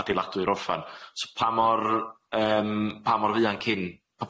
adeiladu i'r orffan so pa mor yym pa mor fuan cyn,